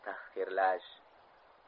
sabiylarni tahqirlash